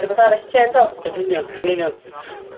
rwbeth arall yn lle yndo? Yn union... Hmm. ...yn union.